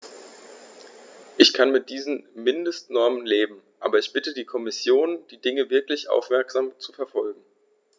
Ich kann mit diesen Mindestnormen leben, aber ich bitte die Kommission, die Dinge wirklich aufmerksam zu verfolgen.